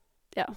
Ja.